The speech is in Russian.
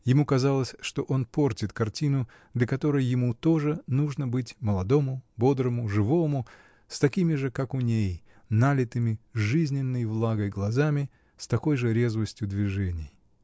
Ему казалось, что он портит картину, для которой ему тоже нужно быть молодому, бодрому, живому, с такими же, как у ней, налитыми жизненной влагой глазами, с такой же резвостью движений.